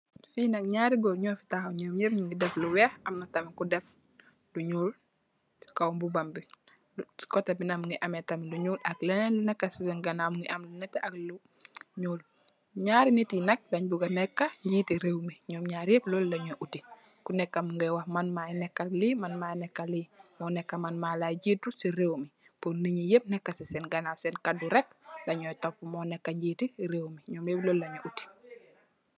Fii nak nyarri goor nyu fi taxaw, nyom noop nyu def lu weex, an na tam ku def lu nyuul, si kow mbubam bi. Si kotte bi tam mu ngi am lu nyuul ak leenen lu nekka si seen ganaaw mu ngi am lu nyuul ak. Nyarri nit nak, dange bugga nekka nyitti rew mi, nyo nyaar yep lool la nyu utti, ku nekka mu ngi naan man maa neeka lii, man maa neeka ii, moo neeka man maa la jittu si rew mi, nit nyi nyoop neeka si seen ganaaw, seen kaddu rek